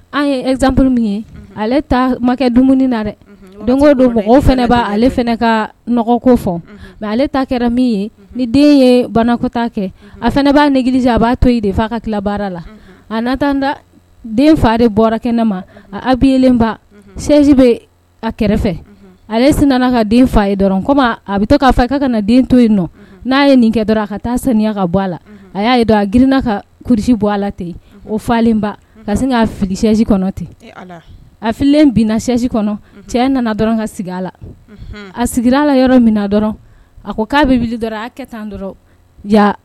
An ba to a da kɛnɛji bɛ kɛrɛfɛ nana ka a bɛ'a fɔ ka to yen n'a ye nin kɛ dɔrɔn a ka taaya ka bɔ a la a y'a a girinina ka kurusi bɔ a la tenlen ka' filiji kɔnɔ ten a fililen binnaji kɔnɔ cɛ nana dɔrɔn ka sigi a la a sigi a la yɔrɔ min dɔrɔn a ko k'a bɛ kɛ